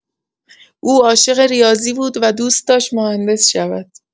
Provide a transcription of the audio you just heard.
او عاشق ریاضی بود و دوست داشت مهندس شود.